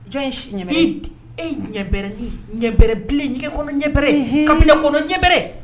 Jɔn in e ɲɛ ɲɛbrɛ bilen kolo ɲɛɛrɛɛrɛ ka kolo ɲɛɛɛrɛ